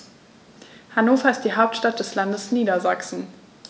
Hannover ist die Hauptstadt des Landes Niedersachsen.